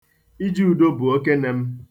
Ijeudo bụ okene m.